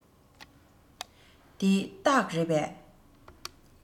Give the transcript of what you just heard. འདི སྟག རེད པས